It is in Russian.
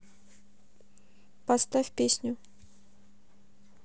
поставь песню